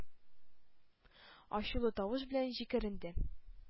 Ачулы тавыш белән җикеренде: -